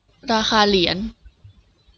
ราคาเหรียญ